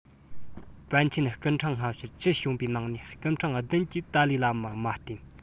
པཎ ཆེན སྐུ ཕྲེང སྔ ཕྱིར བཅུ བྱོན པའི ནང ནས སྐུ ཕྲེང བདུན གྱིས ཏཱ ལའི བླ མར མ བསྟེན